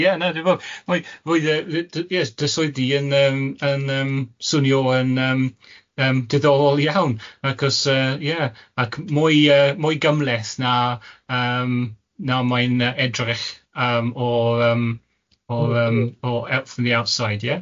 Ie na ne fo, foi foi yy d- ie dy swydd di yn yym yn yym swnio yn yym diddorol iawn achos yy ie ac mwy yy mwy gymleth na yym na mae'n yy edrych yym o'r yym o'r yym o out from the outside ie?